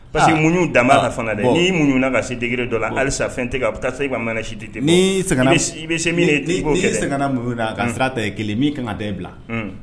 Parce que muɲu dan ba la fanga dɛ. Ni muɲuna ka se degré dɔ la hali sa fɛn tigɛ a bɛ taa se i ma mana si i bɛ se min ka sira ta i kelen min kan ka taa i bila